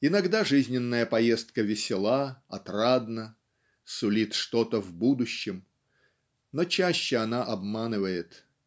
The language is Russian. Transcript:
Иногда жизненная поездка весела отрадна сулит что-то в будущем но чаще она обманывает.